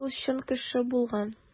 Ул чын кеше булган.